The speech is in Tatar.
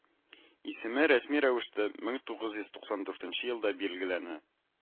Исеме рәсми рәвештә мең тугыз йөз туксан дүртенче елда билгеләнә